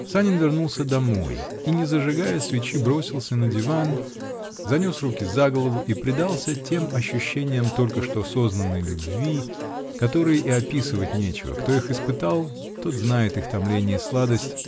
Санин вернулся домой -- и, не зажигая свечи, бросился на диван, занес руки за голову и предался тем ощущениям только что сознанной любви, которые и описывать нечего: кто их испытал, тот знает их томление и сладость